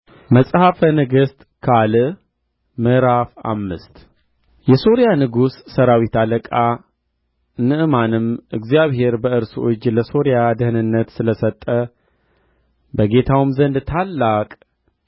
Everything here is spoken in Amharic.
ሎሌውም ይህን እንዴት አድርጌ ለመቶ ሰው እሰጣለሁ አለ እርሱም ይበላሉ ያተርፋሉም ብሎ እግዚአብሔር ተናግሮአልና ይበሉ ዘንድ ለሕዝቡ ስጣቸው አለ እንዲሁም በፊታቸው አኖረው እንደ እግዚአብሔርም ቃል በሉ አተረፉም